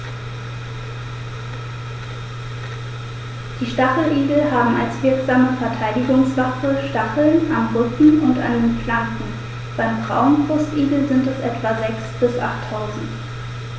Die Stacheligel haben als wirksame Verteidigungswaffe Stacheln am Rücken und an den Flanken (beim Braunbrustigel sind es etwa sechs- bis achttausend).